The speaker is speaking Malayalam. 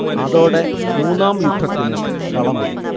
അതോടെ മൂന്നാം യുദ്ധത്തിന് കളമൊരുങ്ങി